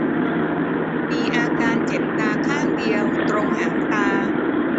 มีอาการเจ็บตาข้างเดียวตรงหางตา